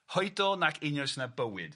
Hoidl nac einioes na bywyd.